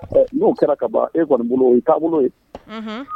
N'o kɛra ka ban e kɔni bolo o ye taabolo ye, unhun